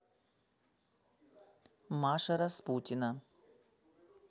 маша распутина